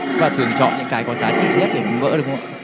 và thường chọn những cái có giá trị nhất để đánh vỡ đúng không ạ